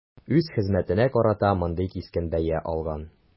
Үз хезмәтенә карата мондый кискен бәя алган.